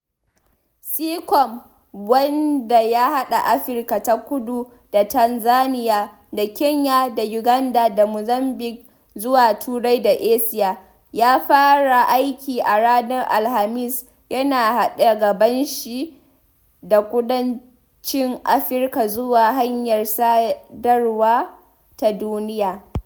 Seacom, wanda ya haɗa Afirka ta Kudu da Tanzania da Kenya da Uganda da Mozambique zuwa Turai da Asiya, ya fara aiki a ranar Alhamis, yana haɗe gabashi da kudancin Afirka zuwa hanyar sadarwa ta duniya.